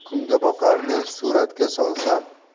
tup kungaboqarni suratga solsam